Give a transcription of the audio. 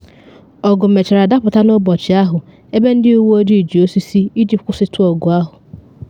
Ọgụ mechaa dapụta n’ụbọchị ahụ ebe ndị uwe ojii ji osisi iji kwụsịtụ ọgụ ahụ.